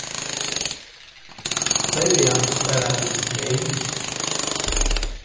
serliga spara vit streym